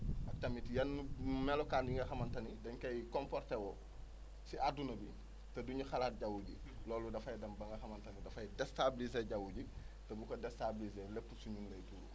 ak tamit yenn melukaan yi nga xamante ni dañ koy comporté woo si adduna bi te du ñu xalaat jaww ji loolu dafay dem ba nga xamante ni dafay destabilisé jaww ji te bu ko destabilisé lépp si ñun lay tuuru